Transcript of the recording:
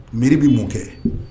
Miiri bɛ mun kɛ